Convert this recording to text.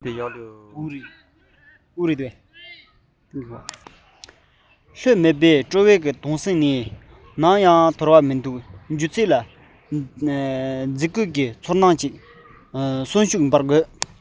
ལྷོད མེད པའི སྤྲོ བའི དུངས སེམས དེ ནམ ཡང མི འདོར བར སྒྱུ རྩལ གྱི མཛེས བཀོད ལ ཚོར སྣང གི གསོན ཤུགས སྦར དགོས